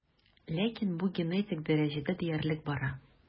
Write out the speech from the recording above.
Ләкин бу генетик дәрәҗәдә диярлек бара.